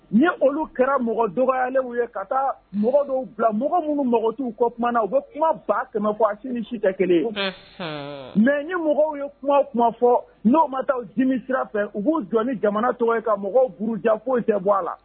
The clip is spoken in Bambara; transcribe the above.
Ni olu kɛra mɔgɔ dɔgɔbayayalenw ye ka taa mɔgɔ dɔw bila mɔgɔ minnu mɔgɔtigiw kɔ kuma na u bɛ kuma ba kɛmɛ bɔ a sin ni si tɛ kelen ye mɛ ye mɔgɔw ye kuma kuma fɔ n'aw ma taa dimi sira fɛ u k'u jɔ ni jamana tɔgɔ ye ka mɔgɔw b jan foyi tɛ bɔ a la